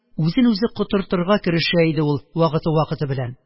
Үзен үзе котыртырга керешә иде ул вакыты-вакыты белән.